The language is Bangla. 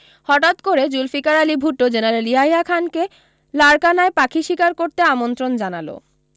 হঠাৎ করে জুলফিকার আলী ভুট্টো জেনারেল ইয়াহিয়া খানকে লারকানায় পাখি শিকার করতে আমন্ত্রণ জানাল